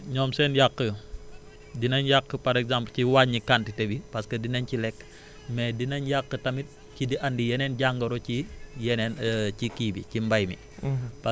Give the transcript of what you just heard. parce que ñoom seen yàq dinañ yàq par exemple ci wàññi quantité bi parce que dinañ ci lekk mais dinañ yàq tamit ci di andi yeneen jangoro ci yeneen ci kii bi ci mbay mi